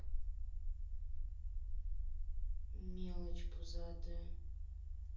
мелочь пузатая